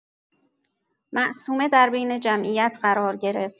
معصومه در بین جمعیت قرار گرفت.